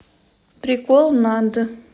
прикол над